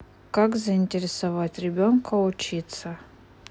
как заинтересовать ребенка учиться